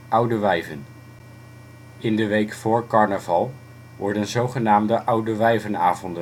Oude Wijven. In de week vóór carnaval zo genaamde Oude Wijvenavonden gehouden. Tijdens